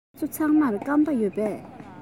ཁྱེད ཚོ ཚང མར སྐམ པ ཡོད པས